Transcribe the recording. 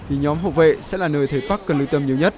thì nhóm hậu vệ sẽ là nơi thầy pắc cần lưu tâm nhiều nhất